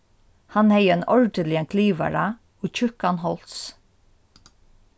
hann hevði ein ordiligan klyvara og tjúkkan háls